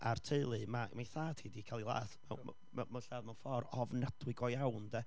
a'r teulu, ma' mae ei thad hi di cael ei ladd mewn mewn mewn mewn lladd mewn ffordd ofnadwy go iawn de.